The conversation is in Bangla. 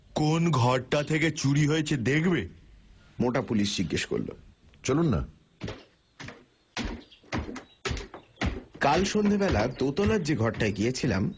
কোন ঘরটা থেকে চুরি হয়েছে দেখবে মোটা পুলিশ জিজ্ঞেস করল চলুন না কাল সন্ধেবেলা দোতলার যে ঘরটায় গিয়েছিলাম